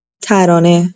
ترانه